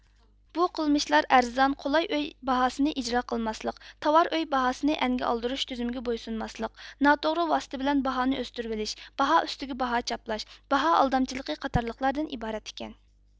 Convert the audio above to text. بۇ قىلمىشلار ئەرزان قولاي ئۆي باھاسىنى ئىجرا قىلماسلىق تاۋار ئۆي باھاسىنى ئەنگە ئالدۇرۇش تۈزۈمىگە بويسۇنماسلىق ناتوغرا ۋاسىتە بىلەن باھانى ئۆستۈرىۋېلىش باھائۈستىگە باھا چاپلاش باھا ئالدامچىلىقى قاتارلىقلاردىن ئىبارەت ئىكەن